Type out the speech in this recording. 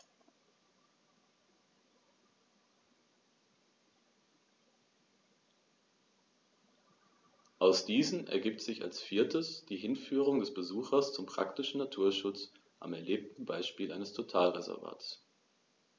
Aus diesen ergibt sich als viertes die Hinführung des Besuchers zum praktischen Naturschutz am erlebten Beispiel eines Totalreservats.